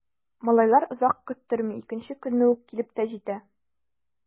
Малайлар озак көттерми— икенче көнне үк килеп тә җитә.